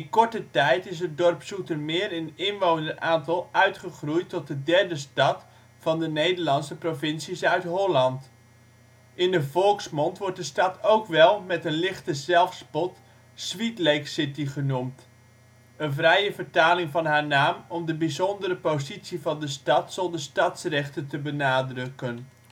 korte tijd is het dorp Zoetermeer in inwoneraantal uitgegroeid tot de derde stad van de Nederlandse provincie Zuid-Holland. In de volksmond wordt de stad ook wel met een lichte zelfspot ' Sweet Lake City ' genoemd, een vrije vertaling van haar naam om de bijzondere positie van deze stad zonder stadsrechten te benadrukken